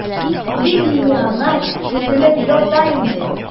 Шундый легионнар төзелеп ята инде.